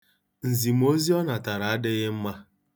Nzimozi ọ natara adịghị mma.